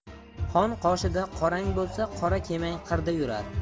xon qoshida qorang bo'lsa qora kemang qirda yurar